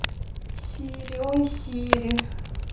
сири ой сири